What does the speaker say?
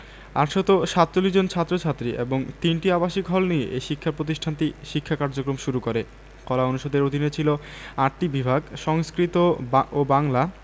৮৪৭ জন ছাত্র ছাত্রী এবং ৩টি আবাসিক হল নিয়ে এ প্রতিষ্ঠানটি শিক্ষা কার্যক্রম শুরু করে কলা অনুষদের অধীনে ছিল ৮টি বিভাগ সংস্কৃত ও বাংলা